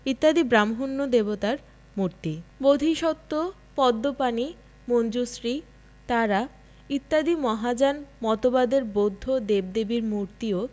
ইত্যাদি ব্রাহ্মণ্য দেবতার মূর্তি বোধিসত্ত্ব পদ্মপাণি মনজুশ্রী তারা ইত্যাদি মহাযান মতবাদের বৌদ্ধ দেবদেবীর মূর্তিও